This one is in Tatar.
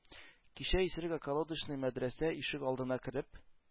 Кичә исерек околодочный мәдрәсә ишек алдына кереп,